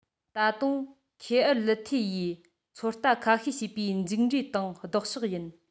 ད དུང ཁེ ཨར ལུ ཐེ ཡིས ཚོད ལྟ ཁ ཤས བྱས པའི མཇུག འབྲས དང ལྡོག ཕྱོགས ཡིན